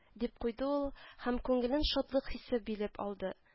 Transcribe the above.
—дип куйды ул һәм күңелен шатлык хисе билеп алды